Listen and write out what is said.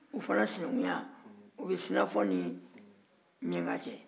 o fana senakunya o bɛ sinafɔ ni miniyanka cɛ